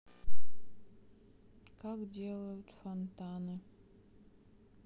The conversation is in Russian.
как делают фонтаны